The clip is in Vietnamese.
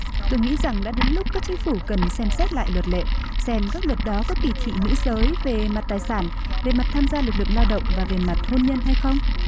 tôi nghĩ rằng đã đến lúc các chính phủ cần xem xét lại luật lệ xem các luật đó cực kỳ thị nữ giới về mặt tài sản về mặt tham gia lực lượng lao động và về mặt hôn nhân hay không